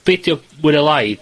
...be' 'di o, mwy ne' lai,